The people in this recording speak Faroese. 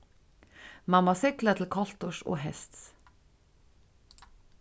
mann má sigla til kolturs og hests